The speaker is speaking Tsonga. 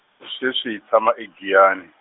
sweswi hi tshama e- Giyani.